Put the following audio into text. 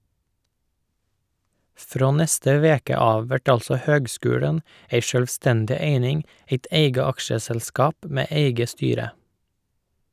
Frå neste veke av vert altså høgskulen ei sjølvstendig eining, eit eige aksjeselskap med eige styre.